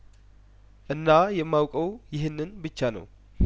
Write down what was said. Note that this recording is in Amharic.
እና የማውቀው ይህንን ብቻ ነው